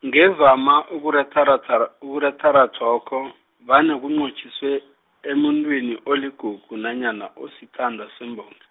ngevama ukuratharatha ukuratharathokho, vane kunqotjhiswe, emuntwini, oligugu, nanyana osithandwa sembongi.